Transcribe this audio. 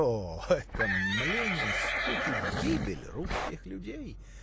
-- О, это мление скуки -- гибель русских людей!